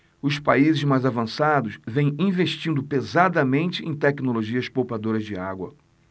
os países mais avançados vêm investindo pesadamente em tecnologias poupadoras de água